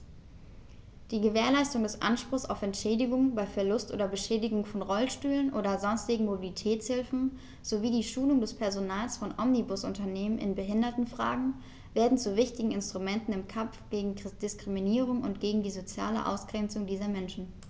Die Gewährleistung des Anspruchs auf Entschädigung bei Verlust oder Beschädigung von Rollstühlen oder sonstigen Mobilitätshilfen sowie die Schulung des Personals von Omnibusunternehmen in Behindertenfragen werden zu wichtigen Instrumenten im Kampf gegen Diskriminierung und gegen die soziale Ausgrenzung dieser Menschen.